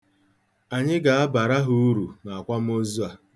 Anyị ga-abara ha uru n'akwamozu a.